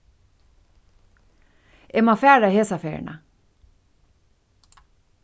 eg má fara hesa ferðina